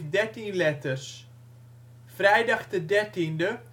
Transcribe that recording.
dertien letters. Vrijdag de dertiende